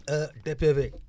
DPV